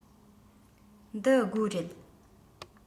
འདི སྒོ རེད